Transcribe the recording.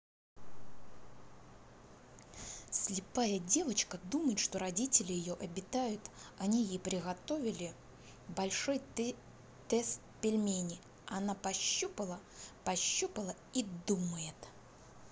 слепая девочка думает что родители ее обитают они ей приготовили большой тест пельмени она пощупала пощупала и думает